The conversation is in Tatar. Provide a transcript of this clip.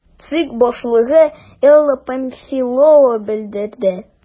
ЦИК башлыгы Элла Памфилова белдерде: